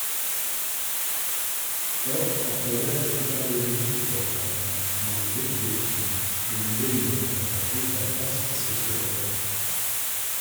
Da applauderte til og med hjemmesupporterne ballvirtuosen Ronaldinho etter to fantastiske scoringer.